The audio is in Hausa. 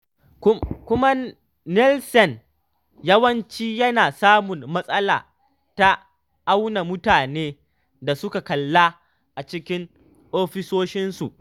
Kuma Nielsen yawanci yana samun matsala ta auna mutane da suka kalla a cikin ofisoshinsu.